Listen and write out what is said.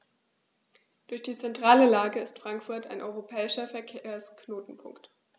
Durch die zentrale Lage ist Frankfurt ein europäischer Verkehrsknotenpunkt.